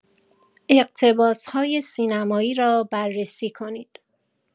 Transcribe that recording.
اقتباس‌های سینمایی را بررسی کنید.